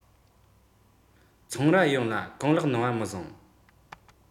ཚོང རྭ ཡོངས ལ གང ལེགས གནང བ མི བཟང